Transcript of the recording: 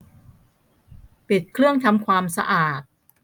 ปิดเครื่องทำสะอาด